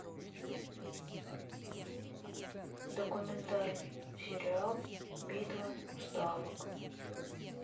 документальный сериал битва ставок